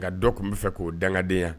Nka dɔ tun b bɛ fɛ k'o dangaden